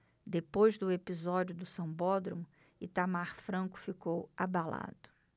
depois do episódio do sambódromo itamar franco ficou abalado